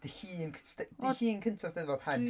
Dydd Llun cynta st- Dydd Llun cyntaf 'Steddfod heb st-... dwi...